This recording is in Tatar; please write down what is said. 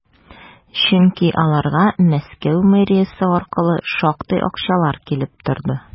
Чөнки аларга Мәскәү мэриясе аркылы шактый акчалар килеп торды.